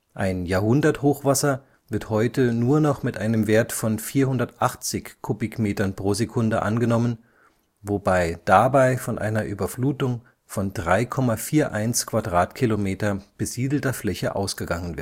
Ein Jahrhunderthochwasser wird heute nur noch mit einem Wert von 480 m³/s angenommen, wobei dabei von einer Überflutung von 3,41 km² besiedelter Fläche ausgegangen